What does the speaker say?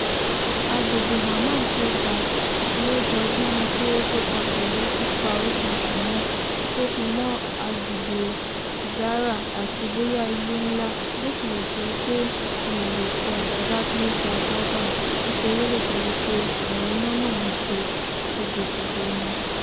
Àgbègbè Amman tí ó ga ni ó jọ bíi pé ó kópa pẹ̀lú pípa oríṣiríṣi iná, tí ó fi mọ́ àgbègbè Zahra, àti bóyá ilé ńlá (Bí ó tilẹ̀ jẹ́ pé mi ò lè sọ àsọdájú nípa Jordan nítorí ó lè jẹ́ wí pé àwọn iná náà ń ṣe ségesège ni).